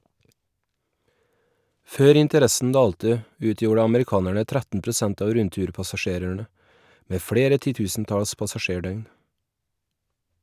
Før interessen dalte , utgjorde amerikanerne 13 prosent av rundturpassasjerene, med flere titusentalls passasjerdøgn.